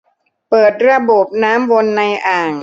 เปิดระบบน้ำวนในอ่าง